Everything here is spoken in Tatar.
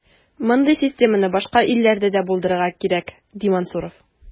Мондый системаны башка илләрдә дә булдырырга кирәк, ди Мансуров.